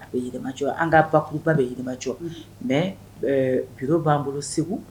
A bɛ yirimajɔ an ka bakuruba bɛ yirimajɔ mais bureau b'an bolo segu.